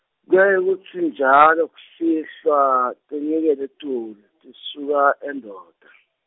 kuyaye kutsi njalo kusihlwa, tenyukele etulu, tisuka eNdonda.